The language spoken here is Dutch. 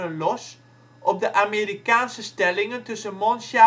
los op de Amerikaanse stellingen tussen Monschau